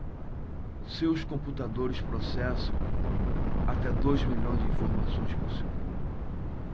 seus computadores processam até dois milhões de informações por segundo